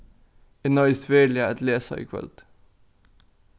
eg noyðist veruliga at lesa í kvøld